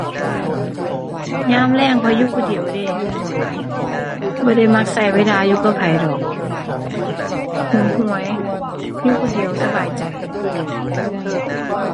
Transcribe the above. ยามแลงข้อยอยู่ผู้เดียวเด้ บ่ได้มักใช้เวลาอยู่กับไผดอก หนหวย อยู่ผู้เดียวสบายใจ